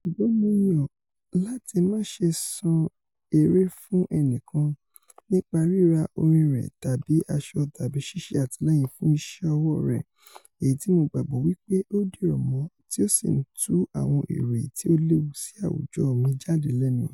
Ṣùgbọ́n Mo yàn LÁTI MÁṢE san èrè fún ẹnìkan (nípa ríra orin rẹ̀ tàbí asọ tàbí ṣíṣe àtìlẹ́yìn fún ''iṣẹ́ ọwọ́'' rẹ̀) èyití́ mo gbàgbọ́ wí pé o dìròmọ́ tí ó sì ńtu àwọn èrò èyití ó léwu sí àwùjọ mi jáde lẹ́nu.